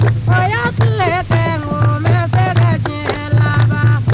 o y'a tile kɛ nk'o mɛ se ka diɲɛ laban